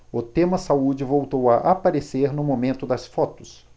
o tema saúde voltou a aparecer no momento das fotos